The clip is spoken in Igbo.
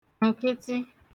ǹkịtị